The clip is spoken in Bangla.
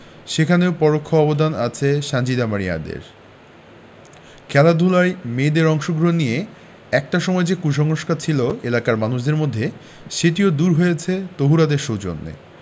সেখানেও পরোক্ষ অবদান আছে সানজিদা মারিয়াদের খেলাধুলায় মেয়েদের অংশগ্রহণ নিয়ে একটা সময় যে কুসংস্কার ছিল এলাকার মানুষের মধ্যে সেটিও দূর হয়েছে তহুরাদের সৌজন্যে